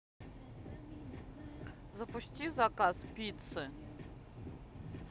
запусти заказ пиццы